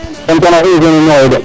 sant a emission ne nuun xaye de